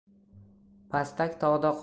pastak tog'da qor